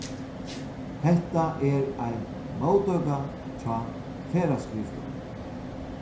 hetta er ein móttøka hjá ferðaskrivstovuni